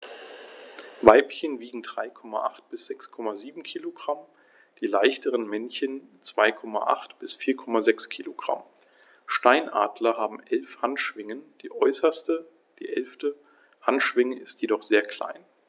Weibchen wiegen 3,8 bis 6,7 kg, die leichteren Männchen 2,8 bis 4,6 kg. Steinadler haben 11 Handschwingen, die äußerste (11.) Handschwinge ist jedoch sehr klein.